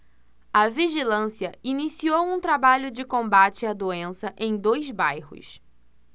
a vigilância iniciou um trabalho de combate à doença em dois bairros